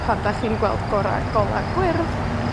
Pan 'dach chi'n gweld gora gola gwyrdd,